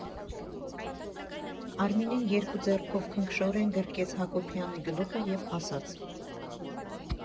Արմինեն երկու ձեռքով քնքշորեն գրկեց Հակոբյանի գլուխը և ասաց.